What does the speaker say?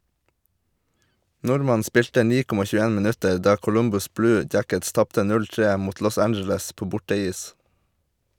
Nordmannen spilte 9.21 minutter da Columbus Blue Jackets tapte 0-3 mot Los Angeles på borteis.